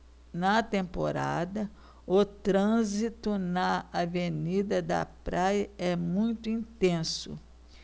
na temporada o trânsito na avenida da praia é muito intenso